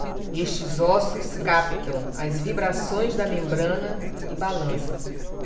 estes ossos captam as vibrações da membrana e balançam